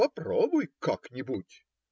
Попробуй как-нибудь,